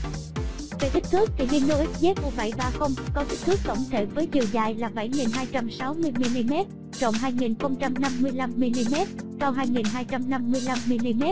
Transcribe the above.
về kích thước thì hino xzu có kích thước tổng thể với chiều dài là mm rộng mm cao mm